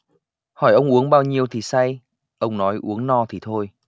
hỏi ông uống bao nhiêu thì say ông nói uống no thì thôi